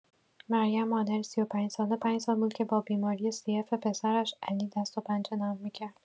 مریم، مادری ۳۵ ساله، پنج سال بود که با بیماری سی‌اف پسرش علی دست و پنجه نرم می‌کرد.